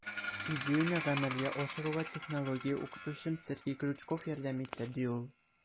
Идеяне гамәлгә ашыруга технология укытучым Сергей Крючков ярдәм итте, - ди ул.